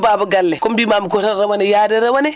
baaba galle ko mbiimaami ko tan rawane yaade rawane